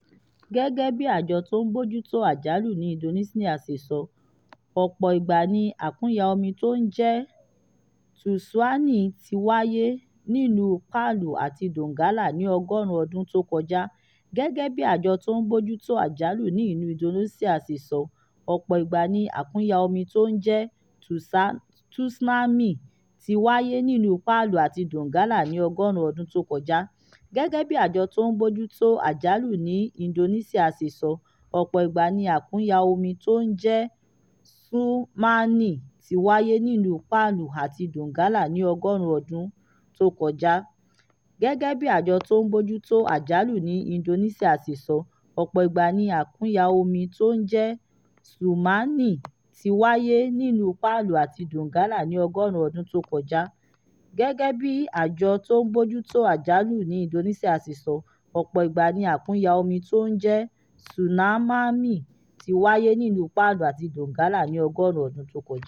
Gẹ́gẹ́ bí Àjọ Tó Ń Bójú Tó Àjálù ní Indonesia ṣe sọ, ọ̀pọ̀ ìgbà ni àkúnya omi tó ń jẹ́ tsunami ti wáyé nílùú Palu àti Donggala ní ọgọ́rùn-ún ọdún tó kọjá.